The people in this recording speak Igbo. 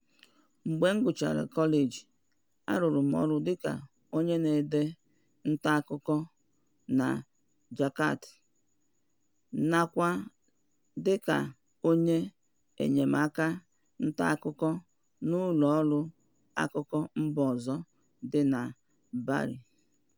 Mgbe m gụchara kọleji, a rụrụ m ọrụ dịka onye na-ede ntaakụkọ na Jakarta, nakwa dịka onye enyemaaka ntaakụkọ n'ụlọ ọrụ akụkọ mba ọzọ dị na Bali.